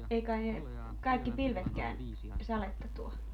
ei kai ne kaikki pilvetkään sadetta tuo